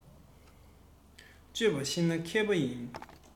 སྤྱོད པ ཤེས ན མཁས པ ཡིན